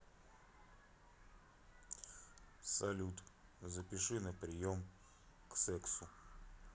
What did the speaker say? салют запиши на прием к сексу